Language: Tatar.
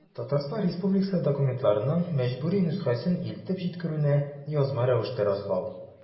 Татарстан Республикасы документларының мәҗбүри нөсхәсен илтеп җиткерүне язма рәвештә раслау.